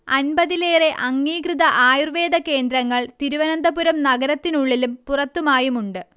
അൻപതിലേറെ അംഗീകൃത ആയുർവേദ കേന്ദ്രങ്ങൾ തിരുവനന്തപുരം നഗരത്തിനുള്ളിലും പുറത്തുമായുമുണ്ട്